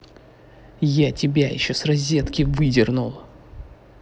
я тебя еще с розетки выдернул